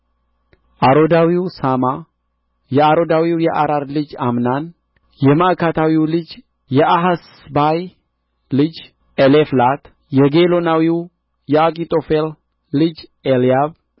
አሮዳዊው ሣማ የአሮዳዊው የአራር ልጅ አምናን የማዕካታዊው ልጅ የአሐስባይ ልጅ ኤሌፋላት የጊሎናዊው የአኪጦፌል ልጅ ኤልያብ